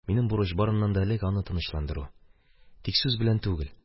Минем бурыч – барыннан да элек аны тынычландыру, тик сүз белән түгел.